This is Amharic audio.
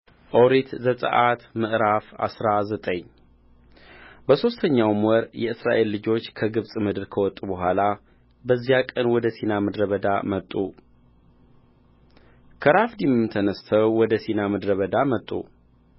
ኦሪት ዘጽአት ምዕራፍ አስራ ዘጠኝ በሦስተኛውም ወር የእስራኤል ልጆች ከግብፅ ምድር ከወጡ በኋላ በዚያ ቀን ወደ ሲና ምድረ በዳ መጡ ከራፊድም ተነሥተው ወደ ሲና ምድረ በዳ መጡ